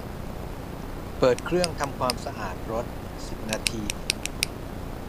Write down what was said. เปิดเครื่องทำความสะอาดรถสิบนาที